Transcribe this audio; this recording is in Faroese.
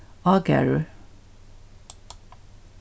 ágarður